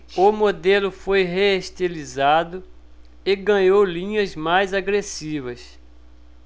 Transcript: o modelo foi reestilizado e ganhou linhas mais agressivas